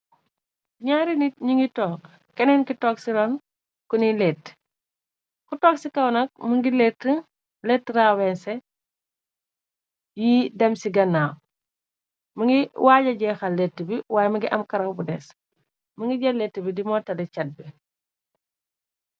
Nyaari nit gñi ngi toog keneen ki toog ci ran kuni lett ku toog ci kawnak mu ngi lett rawense yi dem ci gannaaw mi ngi waaja jeexal lett bi waaye mi ngi am karaw bu des më ngi jal lett bi dimoo tali cat be.